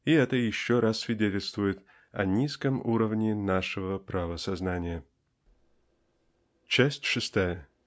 И это еще раз свидетельствует о низком уровне нашего правосознания. Часть шестая.